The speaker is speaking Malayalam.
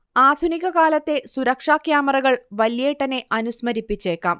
ആധുനികകാലത്തെ സുരക്ഷാ ക്യാമറകൾ വല്യേട്ടനെ അനുസ്മരിപ്പിച്ചേക്കാം